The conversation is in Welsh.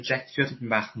projectio bach